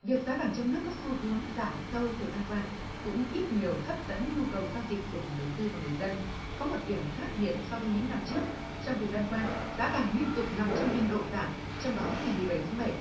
việc giá vàng trong nước có xu hướng giảm sâu thời gian qua cũng ít nhiều hấp dẫn nhu cầu giao dịch của nhà đầu tư và người dân có một điểm khác biệt so với những năm trước trong thời gian qua giá vàng liên tục nằm trong biên độ giảm trong đó ngày mười bảy tháng bảy